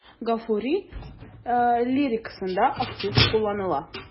Гафури лирикасында актив кулланыла.